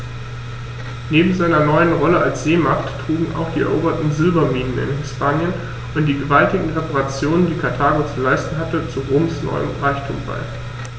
Neben seiner neuen Rolle als Seemacht trugen auch die eroberten Silberminen in Hispanien und die gewaltigen Reparationen, die Karthago zu leisten hatte, zu Roms neuem Reichtum bei.